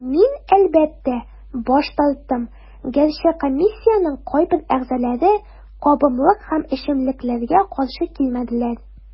Мин, әлбәттә, баш тарттым, гәрчә комиссиянең кайбер әгъзаләре кабымлык һәм эчемлекләргә каршы килмәделәр.